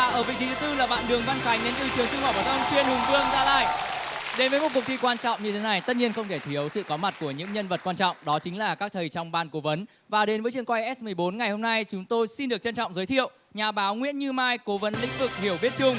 và ở vị trí thứ tư là bạn đường văn khánh đến từ trường trung học phổ thông chuyên hùng vương gia lai đến với một cuộc thi quan trọng như thế này tất nhiên không thể thiếu sự có mặt của những nhân vật quan trọng đó chính là các thầy trong ban cố vấn và đến với trường quay ét mười bốn ngày hôm nay chúng tôi xin được trân trọng giới thiệu nhà báo nguyễn như mai cố vấn lĩnh vực hiểu biết chung